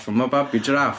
Ond ma' babi jiraff...